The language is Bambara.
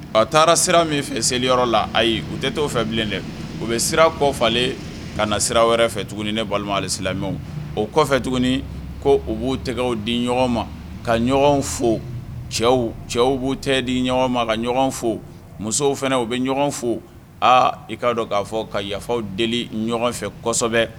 A taara sira min fɛ seliyɔrɔ la ayi u tɛ to fɛ bilen dɛ u bɛ sira kɔ falenle ka na sira wɛrɛ fɛ tuguni ne balimasiw o kɔfɛ tuguni ko u b'u tɛgɛ di ɲɔgɔn ma ka ɲɔgɔn fo cɛw cɛw b'u tɛ di ɲɔgɔn ma ka ɲɔgɔn fo musow fana u bɛ ɲɔgɔn fo aa i kaa dɔn k'a fɔ ka yafaw deli ɲɔgɔn fɛsɔ kosɛbɛ